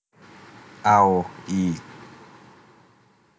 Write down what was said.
เอาอีก